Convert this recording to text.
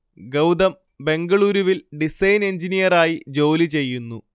ഗൗതം ബെംഗളൂരുവിൽ ഡിസൈൻ എൻജിനീയറായി ജോലിചെയ്യുന്നു